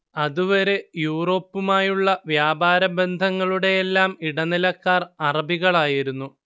അതുവരെ യൂറോപ്പുമായുളള വ്യാപാര ബന്ധങ്ങളുടെയെല്ലാം ഇടനിലക്കാർ അറബികളായിരുന്നു